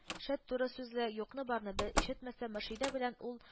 Шәт, туры сүзле, юкны-барны бе ишетмәс мөршидә белән ул